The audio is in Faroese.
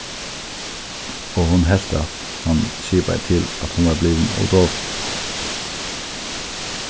og hon helt at hann sipaði til at hon var blivin ov dovin